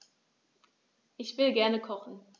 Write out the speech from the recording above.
Ich will gerne kochen.